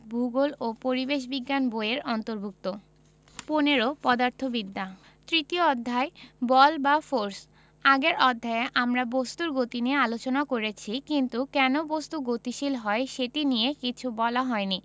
ভূগোল ও পরিবেশ বিজ্ঞান বই এর অন্তর্ভুক্ত ১৫ পদার্থবিদ্যা তৃতীয় অধ্যায় বল বা ফোরস আগের অধ্যায়ে আমরা বস্তুর গতি নিয়ে আলোচনা করেছি কিন্তু কেন বস্তু গতিশীল হয় সেটি নিয়ে কিছু বলা হয়নি